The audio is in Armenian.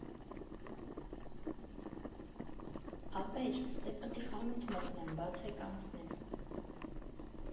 ֊ Ապեր, ստե պտի խանութ մտնեմ, բացեք անցնեմ։